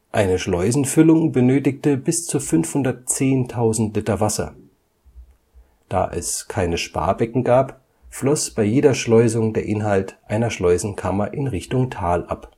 Eine Schleusenfüllung benötigte bis zu 510.000 Liter Wasser. Da es keine Sparbecken gab, floss bei jeder Schleusung der Inhalt einer Schleusenkammer in Richtung Tal ab